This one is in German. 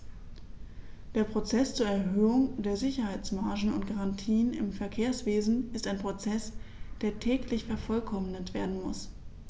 Der Prozess zur Erhöhung der Sicherheitsmargen und -garantien im Verkehrswesen ist ein Prozess, der täglich vervollkommnet werden muss.